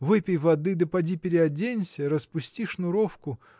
Выпей воды да поди переоденься, распусти шнуровку.